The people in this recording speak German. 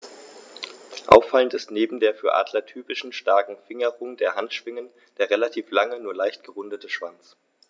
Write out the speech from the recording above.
Auffallend ist neben der für Adler typischen starken Fingerung der Handschwingen der relativ lange, nur leicht gerundete Schwanz.